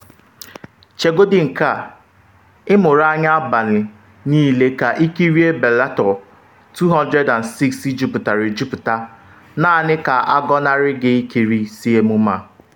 Chegodi nke a, ịmụrụ anya abalị niile ka ikirie Bellator 206 juputara ejuputa, naanị ka agọnarị gị ikiri isi emume.